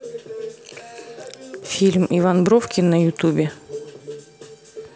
фильм иван бровкин на ютубе